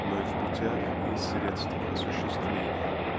но и путях и средствах осуществления.